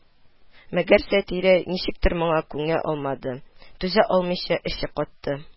Мәгәр Сатирә ничектер моңа күнә алмады, түзә алмыйча эче катты